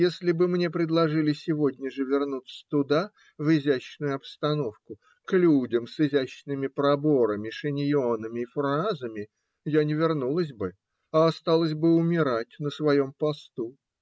Если бы мне предложили сегодня же вернуться туда, в изящную обстановку, к людям с изящными проборами, шиньонами и фразами, я не вернулась бы, а осталась бы умирать на своем посту.